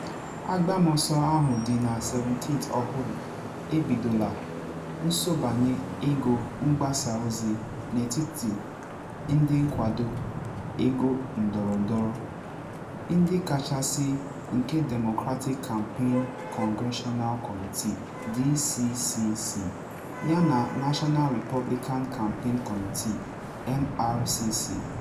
Agbamọsọ ahụ dị na 17th ọhụrụ ebidola nsọbanye ego mgbasa ozi n’etiti ndi nkwado ego ndọrọndọrọ ndi kachasi, nke Democratic Campaign Congressional Committee (DCCC) yana National Republican Campaign Committee (NRCC).